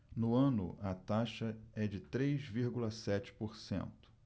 no ano a taxa é de três vírgula sete por cento